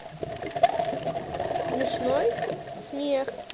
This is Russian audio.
смешной смех